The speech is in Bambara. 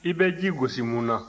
i bɛ ji gosi mun na